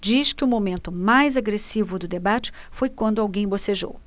diz que o momento mais agressivo do debate foi quando alguém bocejou